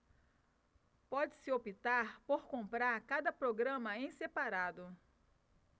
pode-se optar por comprar cada programa em separado